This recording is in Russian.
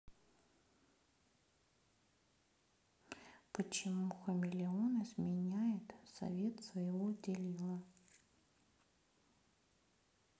почему хамелеон изменяет совет своего делила